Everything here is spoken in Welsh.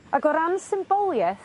Ag o ran symbolieth